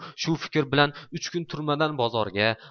u shu fikr bilan uch kun turmadan bozorga